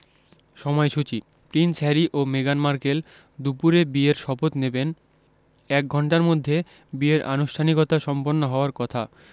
সময়সূচি prince Harry ও মেগান মার্কেল দুপুরে বিয়ের শপথ নেবেন এক ঘণ্টার মধ্যে বিয়ের আনুষ্ঠানিকতা সম্পন্ন হওয়ার কথা